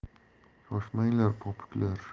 shoshmanglar popuklar